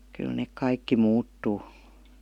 kyllä ne kaikki muuttuu